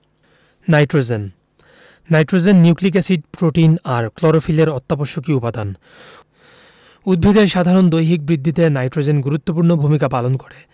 nitrogen nitrogen nucleic acid protein আর ক্লোরোফিলের অত্যাবশ্যকীয় উপাদান উদ্ভিদের সাধারণ দৈহিক বৃদ্ধিতে নাইট্রোজেন গুরুত্বপূর্ণ ভূমিকা পালন করে